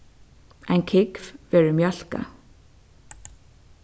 ein kúgv verður mjólkað